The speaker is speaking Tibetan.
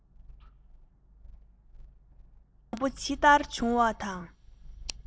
དང པོ ཇི ལྟར བྱུང བ དང